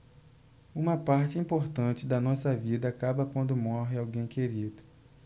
uma parte importante da nossa vida acaba quando morre alguém querido